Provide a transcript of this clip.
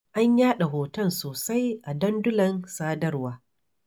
An yaɗa hoton sosai a dandulan sadarwa.